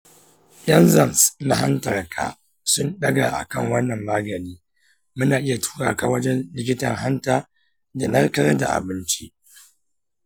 enzymes na hantar ka sun ɗaga a kan wannan magani, muna iya tura ka wajen likitan hanta da narkar da abinci.